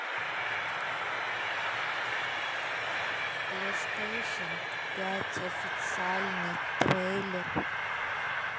плейстейшен пять официальный трейлер